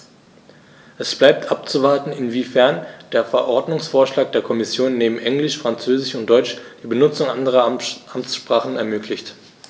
Es bleibt abzuwarten, inwiefern der Verordnungsvorschlag der Kommission neben Englisch, Französisch und Deutsch die Benutzung anderer Amtssprachen ermöglicht.